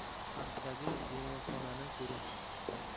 arkdagi devonxonani ko'ring